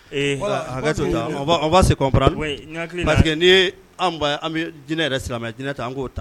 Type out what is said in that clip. Ee hakɛ' se ko an parce que ni an jinɛinɛ yɛrɛ sira jinɛinɛ ta an k'o